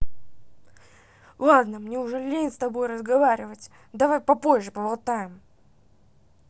ладно мне уже лень с тобой разговаривать давай попозже поболтаем